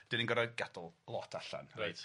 'Dan ni'n gorod gadl lot allan. Reit.